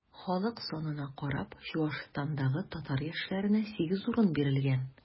Халык санына карап, Чуашстандагы татар яшьләренә 8 урын бирелгән.